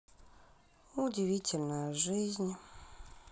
удивительная жизнь